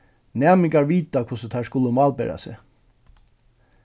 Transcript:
næmingar vita hvussu teir skulu málbera seg